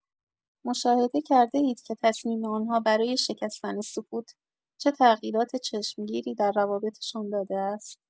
مشاهده کرده‌اید که تصمیم آن‌ها برای شکستن سکوت، چه تغییرات چشمگیری در روابطشان داده است.